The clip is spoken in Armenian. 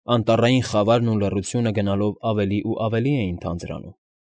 Անտառային խավարն ու լռությունը գնալով ավելի ու ավելի էին թանձրանում։